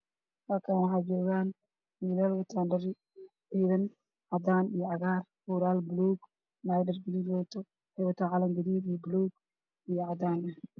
Halkaan waxaa joogo wiilal wato dhar ciidan oo cadaan, cagaar, muraal, buluug, naag dhar gaduudan wadato oo calanka buluug iyo cadaan ah wadato.